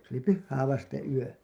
se oli pyhää vasten yö